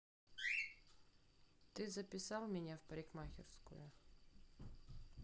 ты записал меня в парикмахерскую